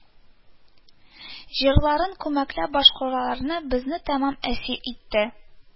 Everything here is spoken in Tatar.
Җырларын күмәкләп башкарулары безне тәмам әсир итте,